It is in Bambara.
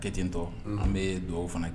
Kɛ tɔ an bɛ dugawu fana kɛ